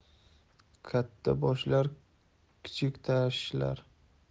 katta boshlar kichik tashlar